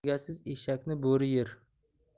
egasiz eshakni bo'ri yer